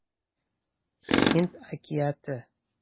Һинд әкияте